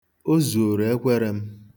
O zuoro ekwere m.